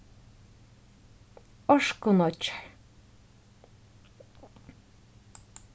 orknoyggjar